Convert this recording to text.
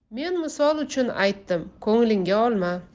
men misol uchun aytdim ko'nglingga olma